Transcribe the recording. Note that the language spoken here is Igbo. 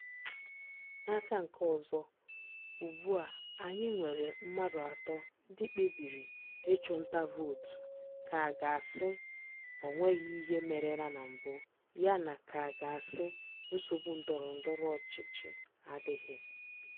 N'aka nke ọzọ, ugbua anyị nwere mmadụ atọ ndị kpebiri ịchụ nta vootu ka a ga-asị o nweghị ihe merela na mbụ, ya na ka a ga-asị nsogbu ndọrọndọrọ ọchịchị a adịghị.